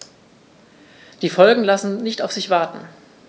Die Folgen lassen nicht auf sich warten.